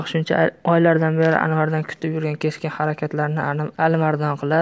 shuncha oylardan beri anvardan kutib yurgan keskin harakatlarni alimardon qilar